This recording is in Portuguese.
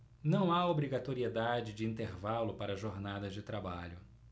não há obrigatoriedade de intervalo para jornadas de trabalho